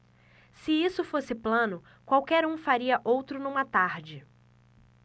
se isso fosse plano qualquer um faria outro numa tarde